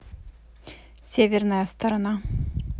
северная сторона